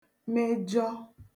mejọ